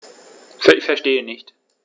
Verstehe nicht.